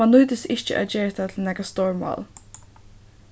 mann nýtist ikki at gera hetta til nakað stórmál